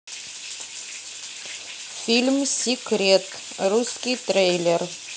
фильм секрет русский трейлер